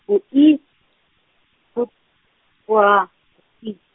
ngu I, , wo H, ngu I.